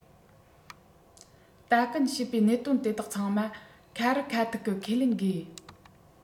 ད གིན བཤད པའི གནད དོན དེ དག ཚང མ ཁ རི ཁ ཐུག གིས ཁས ལེན དགོས